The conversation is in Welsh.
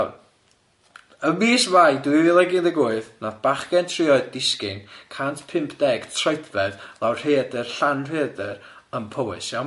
Iawn ym mis Mai dwy fil ag undeg wyth nath bachgen tri oed disgyn cant pump deg troedfedd lawr rhaeadr Llanrheadr yn Powys iawn?